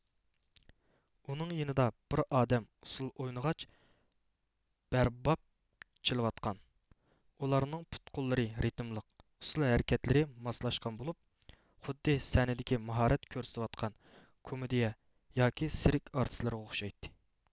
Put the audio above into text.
ئۇنىڭ يېنىدا بىر ئادەم ئۇسسۇل ئوينىغاچ بەرباب چېلىۋاتقان بۇلارنىڭ پۇت قوللىرى رېتىملىق ئۇسسۇل ھەرىكەتلىرى ماسلاشقان بولۇپ خۇددى سەھنىدە ماھارەت كۆرسىتىۋاتقان كومېدىيە ياكى سېرك ئارتىسلىرىغا ئوخشايتتى